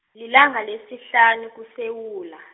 lilanga lesihlanu, kuSewula.